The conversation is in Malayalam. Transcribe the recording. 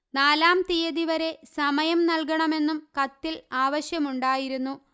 നാലാംതീയതി വരെ സമയം നല്കണമെന്നും കത്തില് ആവശ്യമുണ്ടായിരുന്നു